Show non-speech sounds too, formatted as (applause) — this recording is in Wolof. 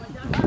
(hesitation) (crosstalk)